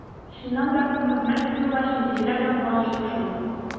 Чыннан да, күп хезмәт куелгач, нәтиҗәләр дә куанычлы шул.